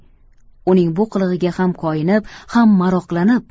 uning bu qilig'iga ham koyinib ham maroqlanib